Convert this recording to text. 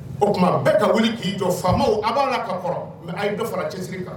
O kuma bɛɛ ka wuli ki jɔ . Faamaw aw bala ka kɔrɔ mais a ye dɔ fara cɛsiri kan.